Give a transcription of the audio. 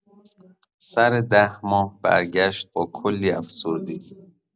سر ۱۰ماه برگشت با کلی افسردگی.